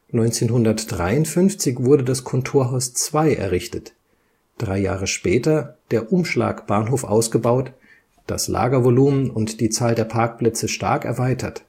1953 wurde das Kontorhaus II errichtet, drei Jahre später der Umschlagbahnhof ausgebaut, das Lagervolumen und die Zahl der Parkplätze stark erweitert